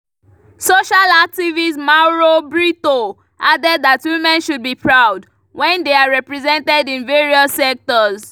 Social activist Mauro Brito added that women should be proud "when they are represented in various sectors":